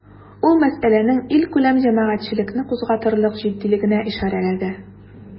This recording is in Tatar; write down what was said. Ул мәсьәләнең илкүләм җәмәгатьчелекне кузгатырлык җитдилегенә ишарәләде.